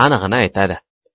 anig'ini aytadi